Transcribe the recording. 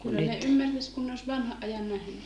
kyllä ne ymmärtäisi kun ne olisi vanhan ajan nähnyt